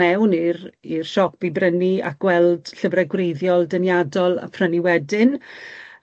mewn i'r i'r siop i brynu, a gweld llyfre gwreiddiol dyniadol a prynu wedyn.